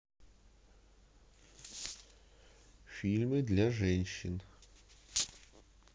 фильмы для женщин